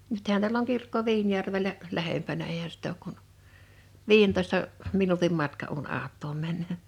nythän täällä on kirkko Viinijärvellä lähempänä eihän sitä ole kuin viidentoista minuutin matka kun autoon menee